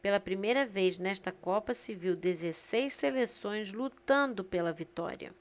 pela primeira vez nesta copa se viu dezesseis seleções lutando pela vitória